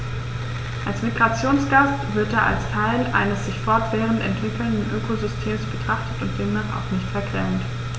Als Migrationsgast wird er als Teil eines sich fortwährend entwickelnden Ökosystems betrachtet und demnach auch nicht vergrämt.